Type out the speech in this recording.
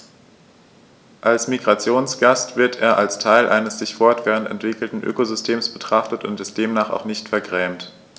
Als Migrationsgast wird er als Teil eines sich fortwährend entwickelnden Ökosystems betrachtet und demnach auch nicht vergrämt.